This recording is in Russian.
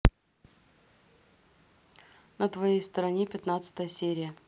на твоей стороне пятнадцатая серия